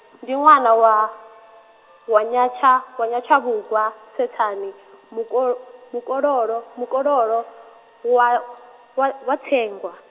ndi ṅwana wa, wa Nyatsha- wa Nyatshavhungwa, Swethani, muko- mukololo mukololo, wa wa wa Thengwe.